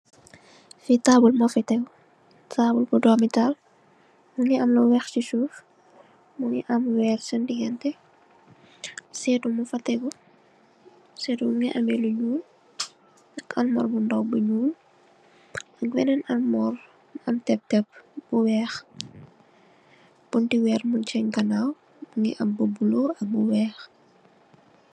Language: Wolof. Fii taabul moo fi teggu, taabul bu döömi taal, mu ngi am lu weex si suuf, mu ngi am lu weex si diggante, séétu muñg fa teggu, séétu mu ngi amee lu ñuul, am bu ndaw bu ñuul, am benen almoor, bu am tep tep, bunti weer muñ ci seen ganaaw, mu ngi am lu bulu am lu weex.